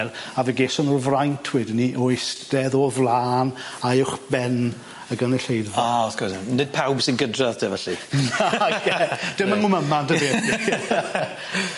A fe geson nw'r fraint wedyn 'ny o eistedd o flân a uwchben y gynulleidfa. A wrth gwrs Nid pawb sy'n gydradd te felly. Nage! Dim yng Ngwm Aman ta beth.